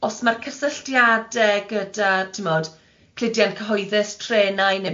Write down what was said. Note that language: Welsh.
Os mae'r cysylltiade gyda timod cludian cyhoeddus, trenau neu beth bynnag